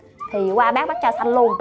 thì qua bác bác cho sanh luôn